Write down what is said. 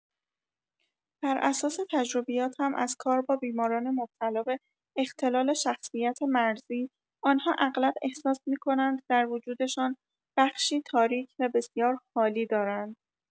بر اساس تجربیاتم از کار با بیماران مبتلا به اختلال شخصیت مرزی، آن‌ها اغلب احساس می‌کنند در وجودشان بخشی تاریک و بسیار خالی دارند.